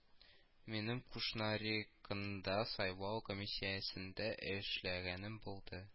Минем Кушнаренкода сайлау комиссиясендә эшләгәнем булды